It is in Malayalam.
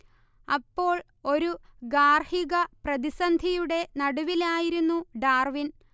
അപ്പോൾ ഒരു ഗാർഹിക പ്രതിസന്ധിയുടെ നടുവിലായിരുന്നു ഡാർവിൻ